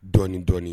Dɔɔnin dɔɔnin